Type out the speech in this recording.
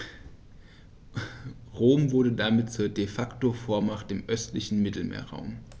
Rom wurde damit zur ‚De-Facto-Vormacht‘ im östlichen Mittelmeerraum.